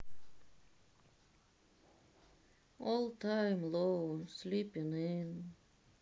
ол тайм лоу слипин ин